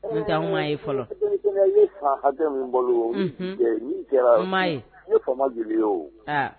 Nka an' ye fɔlɔ hakɛ min bolo kɛra ma ye ne fa joli ye o